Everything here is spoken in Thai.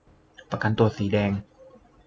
ประกันตัวสีแดง